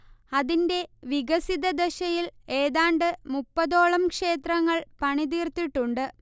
അതിന്റെ വികസിതദശയിൽ ഏതാണ്ട് മുപ്പതോളം ക്ഷേത്രങ്ങൾ പണിതീർത്തിട്ടുണ്ട്